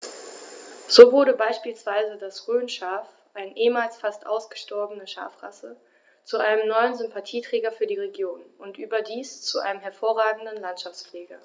So wurde beispielsweise das Rhönschaf, eine ehemals fast ausgestorbene Schafrasse, zu einem neuen Sympathieträger für die Region – und überdies zu einem hervorragenden Landschaftspfleger.